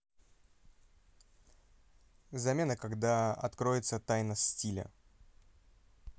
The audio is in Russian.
замена когда откроется тайна стиля